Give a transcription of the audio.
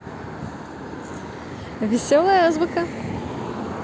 веселая азбука